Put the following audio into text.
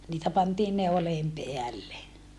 niitä pantiin neuleen päälle